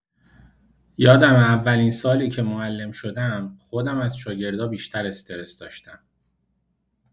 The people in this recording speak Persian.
یادمه اولین سالی که معلم شدم، خودم از شاگردا بیشتر استرس داشتم.